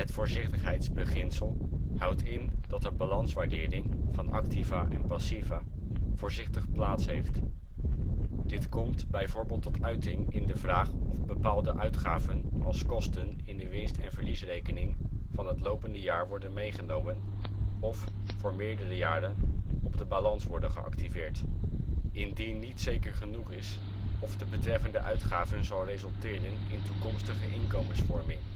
voorzichtigheidsbeginsel houdt in dat de balanswaardering van activa en passiva voorzichtig plaatsheeft. Dit komt bijvoorbeeld tot uiting in de vraag of bepaalde uitgaven als kosten in de winst - en verliesrekening van het lopende jaar worden meegenomen of (voor meerdere jaren) op de balans worden geactiveerd, indien niet zeker genoeg is of de betreffende uitgave zal resulteren in toekomstige inkomensvorming